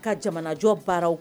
Ka jamanajɔ baaraw